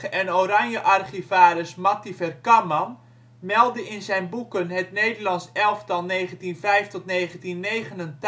en Oranje-archivaris Matty Verkamman meldde in zijn boeken Het Nederlands Elftal 1905-1989 en